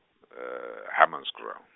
Hammanskraal.